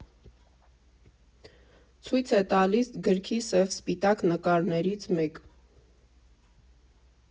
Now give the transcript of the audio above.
֊ Ցույց է տալիս գրքի սև֊սպիտակ նկարներից մեկ.